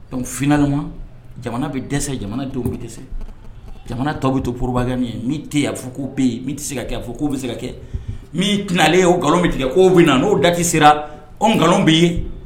Donc finalement jamana bi dɛsɛ jamana denw bi dɛsɛ . Jamana tɔ bi to propagande ye min te yen a bi fɔ ko be yen, min ti se ka kɛ, a bi fɔ ko bi se ka kɛ, min tɛnalen o ngalon bi tigɛ ko bi na . No date sera o ngalon be yen.